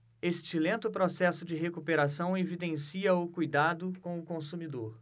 este lento processo de recuperação evidencia o cuidado com o consumidor